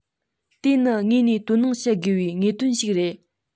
དེ ནི དངོས གནས དོ སྣང བགྱི དགོས པའི དངོས དོན ཞིག རེད